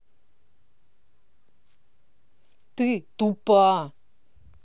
ты тупа